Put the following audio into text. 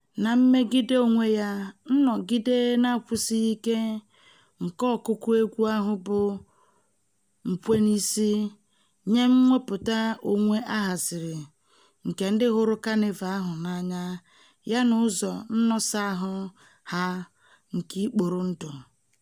Na mmegide onwe ya, nnọgide na-akwụsighị ike nke ọkụkụ egwu ahụ bụ nkwenisi nye mwepụta onwe a haziri nke ndị hụrụ Kanịva ahụ n'anya yana ụzọ nnọsaahụ ha nke ikpori ndụ.